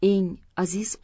eng aziz